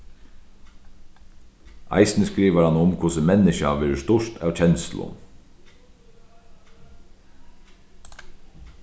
eisini skrivar hann um hvussu menniskjað verður stýrt av kenslum